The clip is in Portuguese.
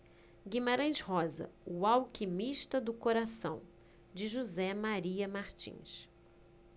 guimarães rosa o alquimista do coração de josé maria martins